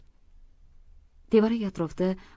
tevarak atrofda